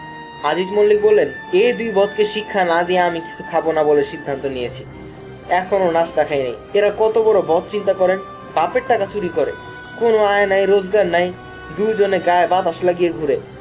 আজিজ মল্লিক বললেন এই দুই বদকে শিক্ষা না দিয়ে আমি কিছু খাব না বলে সিদ্ধান্ত নিয়েছি এখনাে নাশতা খাই নাই এরা কত বড় বদ চিন্তা করেন বাপের টাকা চুরি করে কোনাে আয় নাই রােজগার নাই দুইজনে গায়ে বাতাস লাগিয়ে ঘুরে